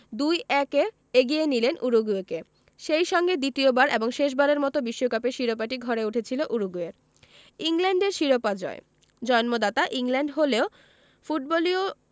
২ ১ এ এগিয়ে নিলেন উরুগুয়েকে সেই সঙ্গে দ্বিতীয়বার এবং শেষবারের মতো বিশ্বকাপের শিরোপাটি ঘরে উঠেছিল উরুগুয়ের ইংল্যান্ডের শিরোপা জয় জন্মদাতা ইংল্যান্ড হলেও ফুটবলীয়